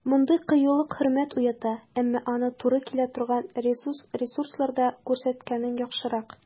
Мондый кыюлык хөрмәт уята, әмма аны моңа туры килә торган ресурсларда күрсәткәнең яхшырак.